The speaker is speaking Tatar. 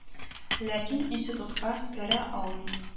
Ләкин институтка керә алмый